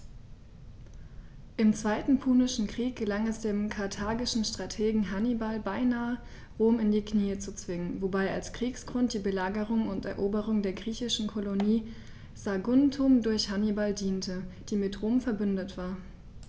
Im Zweiten Punischen Krieg gelang es dem karthagischen Strategen Hannibal beinahe, Rom in die Knie zu zwingen, wobei als Kriegsgrund die Belagerung und Eroberung der griechischen Kolonie Saguntum durch Hannibal diente, die mit Rom „verbündet“ war.